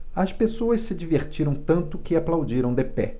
as pessoas se divertiram tanto que aplaudiram de pé